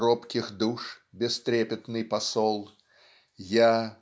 робких душ бестрепетный посол, Я